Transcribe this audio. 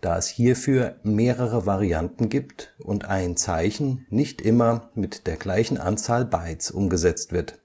da es hierfür mehrere Varianten gibt und ein Zeichen nicht immer mit der gleichen Anzahl Bytes umgesetzt wird